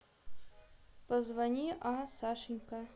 позвони а сашенька